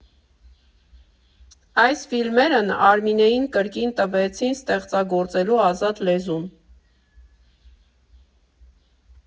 Այս ֆիլմերն Արմինեին կրկին տվեցին ստեղծագործելու ազատ լեզուն.